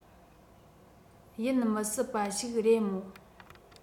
ཡིན མི སྲིད པ ཞིག རེད མོ